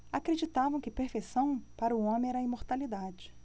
acreditavam que perfeição para o homem era a imortalidade